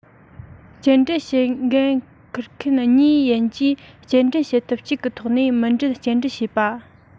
སྐྱེལ འདྲེན བྱེད འགན འཁུར མཁན གཉིས ཡན གྱིས སྐྱེལ འདྲེན བྱེད ཐབས གཅིག གི ཐོག ནས མུ འབྲེལ སྐྱེལ འདྲེན བྱས པ